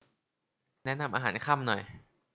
แนะนำอาหารค่ำหน่อย